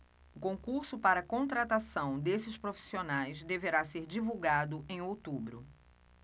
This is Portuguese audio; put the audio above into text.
o concurso para contratação desses profissionais deverá ser divulgado em outubro